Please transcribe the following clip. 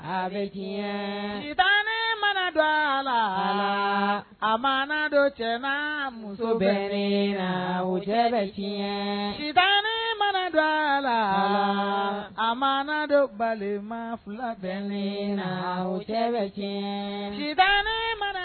Saba tan mana dɔ a la a ma don jama muso bɛ la o cɛ bɛ mana dɔ la a ma don balima fila bɛ la o cɛ bɛ diɲɛ mana